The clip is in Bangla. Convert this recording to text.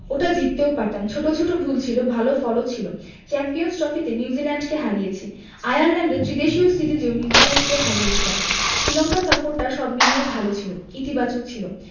ওটা জিততেও পারতাম ছোট ছোট ভুল ছিল ভালো ফলও ছিল চ্যাম্পিয়নস ট্রফিতে নিউজিল্যান্ডকে হারিয়েছি আয়ারল্যান্ডে ত্রিদেশীয় সিরিজেও নিউজিল্যান্ডকে হারিয়েছিলাম শ্রীলঙ্কা সফরটা সব মিলিয়ে ভালো ছিল ইতিবাচক ছিল